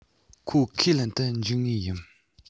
ཁོ ཁས ལེན དུ འཇུག ངེས ཡིན